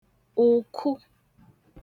ụ̀kụ